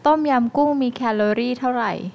ต้มยำกุ้งมีแคลอรี่เท่าไหร่